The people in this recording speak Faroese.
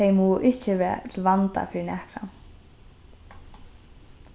tey mugu ikki vera til vanda fyri nakran